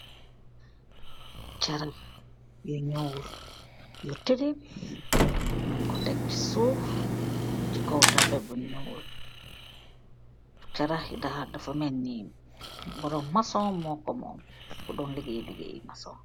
Jarah yu gul , yu telem, nug kooh teek si suff si koww tapett bu gul , jarahi dal dafa melni borom masoon mokoh moom, kudoon legaay , legaay yi masoon.